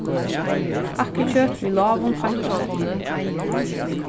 hakkikjøt við lágum feittprosenti